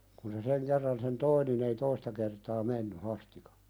kun se sen kerran sen toi niin ei toista kertaa mennyt Hasti